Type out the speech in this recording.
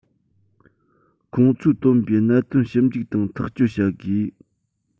ཁོང ཚོས བཏོན པའི གནད དོན ཞིབ འཇུག དང ཐག གཅོད བྱ དགོས